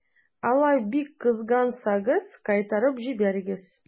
Алай бик кызгансагыз, кайтарып җибәрегез.